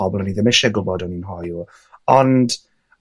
pobol o'n ddim ise gwbod o'n i'n hoyw, ond